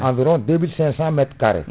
environ 2500 métres carré